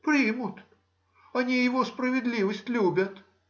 — Примут: они его справедливость любят.